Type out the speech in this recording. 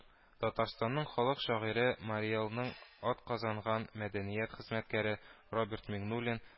Татарстанның халык шагыйре, Марий Элның атказанган мәдәният хезмәткәре Роберт Миңнуллин